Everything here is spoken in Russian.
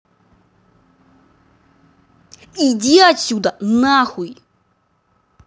иди отсюда нахуй